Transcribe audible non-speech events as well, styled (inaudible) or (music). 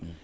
(hesitation) (hesitation)